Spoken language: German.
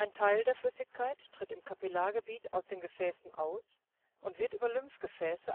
Teil der Flüssigkeit tritt im Kapillargebiet aus den Gefäßen aus und wird über Lymphgefäße abtransportiert